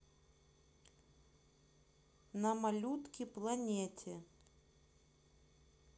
на малютке планете